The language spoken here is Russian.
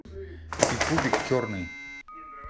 и кубик черный